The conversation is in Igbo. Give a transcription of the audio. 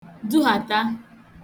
dughàta